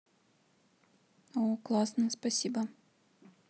о классно спасибо